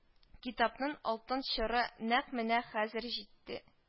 Китапнын алтын чоры нәкъ менә хәзер җитте